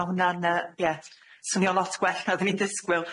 Ma' hwnna'n yy ie swnio lot gwell na o'dd i'n disgwyl.